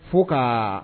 Fo ka